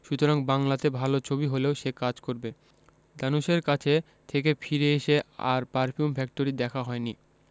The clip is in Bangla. সুতরাং বাংলাতে ভালো ছবি হলেও সে কাজ করবে ধানুশের কাছে থেকে ফিরে এসে আর পারফিউম ফ্যাক্টরি দেখা হয়নি